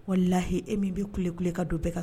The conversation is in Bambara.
Wala lahi e min bɛ ku ku ka don bɛɛ ka